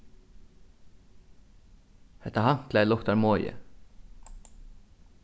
hetta handklæði luktar moðið